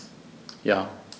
Ja.